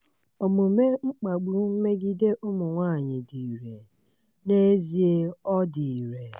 Omume mkpagbu megide ụmụ nwaanyị dị ire, n'ezie ọ dị ire.